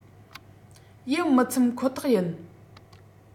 ཡིད མི ཚིམ ཁོ ཐག ཡིན